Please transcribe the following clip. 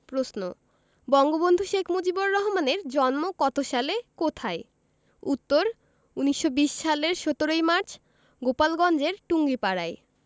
প্রশ্ন বঙ্গবন্ধু শেখ মুজিবুর রহমানের জন্ম কত সালে কোথায় উত্তর ১৯২০ সালের ১৭ মার্চ গোপালগঞ্জের টুঙ্গিপাড়ায়